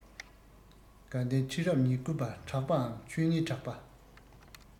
དགའ ལྡན ཁྲི རབས ཉེར དགུ པ གྲགས པའམ ཆོས གཉེར གྲགས པ